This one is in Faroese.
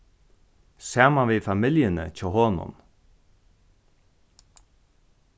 saman við familjuni hjá honum